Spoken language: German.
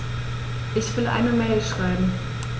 Ich will eine Mail schreiben.